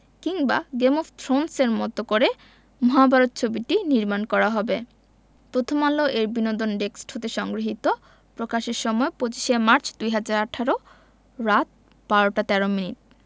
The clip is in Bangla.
কিংবা গেম অব থ্রোনস এর মতো করে মহাভারত ছবিটি নির্মাণ করা হবে প্রথমআলো এর বিনোদন ডেস্ক হতে সংগৃহীত প্রকাশের সময় ২৫ শে মার্চ ২০১৮ রাত ১২ টা ১৩ মিনিট